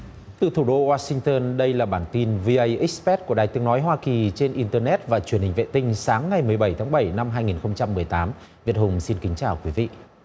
từ thủ đô oa sing tơn đây là bản tin vi ây íc pét của đài tiếng nói hoa kỳ trên in tơ nét và truyền hình vệ tinh sáng ngày mười bảy tháng bảy năm hai nghìn không trăm mười tám việt hùng xin kính chào quý vị